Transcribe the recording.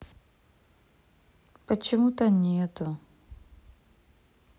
почему то нету